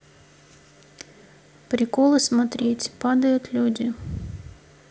приколы смотреть падают люди